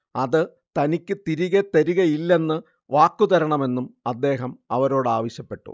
അത് തനിക്കു തിരികെ തരുകയില്ലെന്ന് വാക്കുതരണമെന്നും അദ്ദേഹം അവരോടാവശ്യപ്പെട്ടു